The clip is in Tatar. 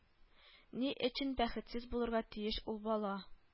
Ни өчен бәхетсез булырга тиеш ул бала